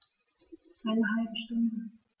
Eine halbe Stunde